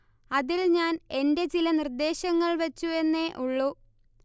അതിൽ ഞാൻ എന്റെ ചില നിർദ്ദേശങ്ങൾ വച്ചുവെന്നേ ഉള്ളൂ